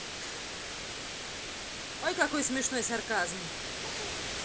ой как смешной сарказм